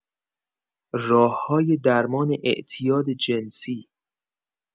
راه‌های درمان اعتیاد جنسی